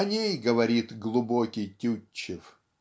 О ней говорит глубокий Тютчев